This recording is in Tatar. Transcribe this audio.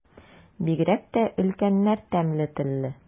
Бигрәк тә өлкәннәр тәмле телле.